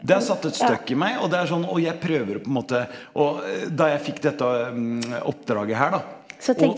det har satt et støkk i meg og det er sånn og jeg prøver det på en måte og da jeg fikk dette oppdraget her da og.